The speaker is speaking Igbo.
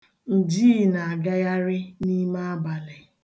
Njiii na-agagharị n'ime abalị.